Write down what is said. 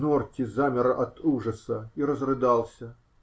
Норти замер от ужаса и разрыдался.